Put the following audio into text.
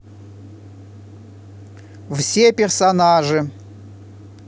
все персонажи